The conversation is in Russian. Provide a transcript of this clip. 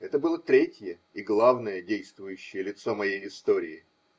Это было третье и главное действующее лицо моей истории.